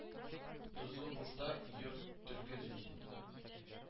Тозлыкушта йорт тергезү, ди